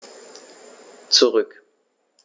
Zurück.